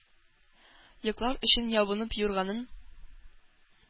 Йоклар өчен ябынып юрганын.